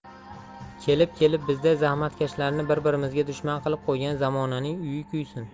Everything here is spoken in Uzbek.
kelib kelib bizday zahmatkashlarni bir birimizga dushman qilib qo'ygan zamonaning uyi kuysin